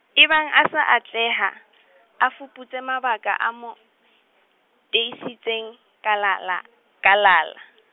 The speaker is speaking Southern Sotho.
ebang a sa atleha, a fuputse mabaka, a mo teisitseng, kalala, kalala.